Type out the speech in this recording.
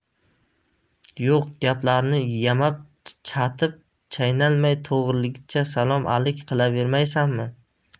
yo'q gaplarni yamab chatib chaynalmay to'g'rilikcha salom alik qilavermaysanmi